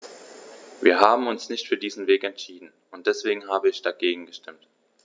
Wir haben uns nicht für diesen Weg entschieden, und deswegen habe ich dagegen gestimmt.